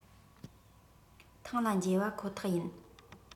ཐང ལ བསྒྱེལ བ ཁོ ཐག ཡིན